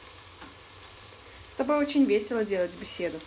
с тобой очень весело делать беседу